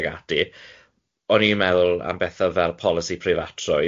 ag ati, o'n i'n meddwl am bethe fel polisi preifatrwydd.